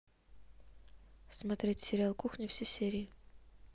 смотреть сериал кухня все серии